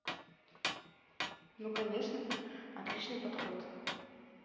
ну конечно отличный подход